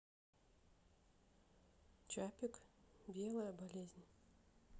чапек белая болезнь